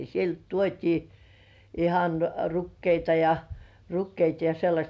sieltä tuotiin ihan rukiita ja rukiita ja sellaista